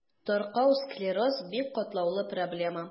Таркау склероз – бик катлаулы проблема.